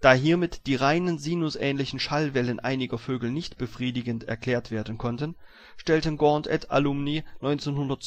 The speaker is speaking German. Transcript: Da hiermit die reinen, sinusähnlichen Schallwellen einiger Vögel nicht befriedigend erklärt werden konnten, stellten Gaunt et al. 1982